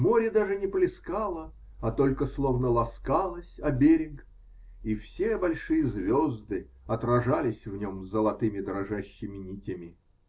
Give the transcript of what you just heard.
Море даже не плескало, а только словно ласкалось о берег, и все большие звезды отражались в нем золотыми дрожащими нитями.